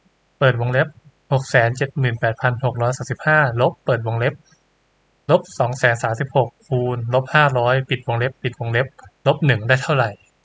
เปิดวงเล็บหกแสนเจ็ดหมื่นแปดพันหกร้อยสามสิบห้าลบเปิดวงเล็บลบสองแสนสามสิบหกคูณลบห้าร้อยปิดวงเล็บปิดวงเล็บลบหนึ่งได้เท่าไร